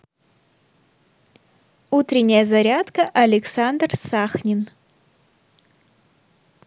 утренняя зарядка александр сахнин